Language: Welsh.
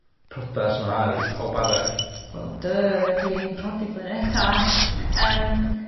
prodas ma'r i pawb arall. Wel duh dwi'n prodi blwy' nesa yym.